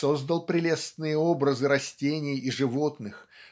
создал прелестные образы растений и животных